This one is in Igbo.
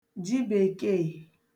ji bèkeè